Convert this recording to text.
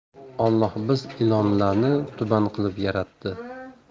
olloh biz ilonlarni tuban qilib yaratdi